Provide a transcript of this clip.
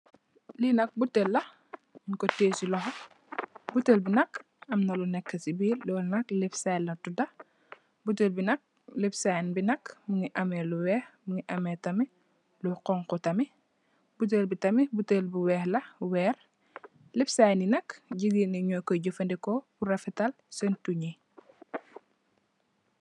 Liinak butel la munko tiyeh si loxom butelkbi nak amna lu neka si birr lolnak lip sinela la tuda butelkbi nak lip sine bi nak mungi ameh lu wekh mungi ameh tamit lu xonxu tamit butelkbi tamit butel bu wekhla werr lip sine yinak gigeen yii ñokoy jefandiko purr rafetal sen yunyi.